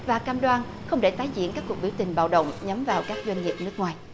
và cam đoan không để tái diễn các cuộc biểu tình bạo động nhắm vào các doanh nghiệp nước ngoài